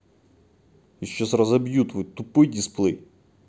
я сейчас разобью твой тупой дисплей